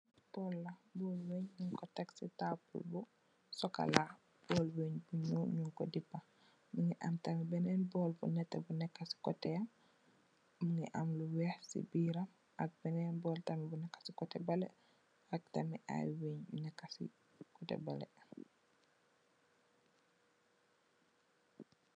Bol la nyung ko tek ci taabul bu sokola bol wenj bu nyool nyung ko depa mungi am tamit benen bowl bu neteh bu neka ci kotem mungi am lu weex ci biram ak benen bowl tamit bu neka ci koteh beleh mingi am tamit ay wenj yu neka ci koteh beleh